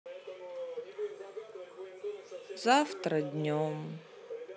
завтра днем